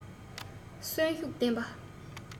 གསོན ཤུགས ལྡན པ